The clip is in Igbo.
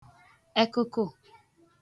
ekụ̀kụ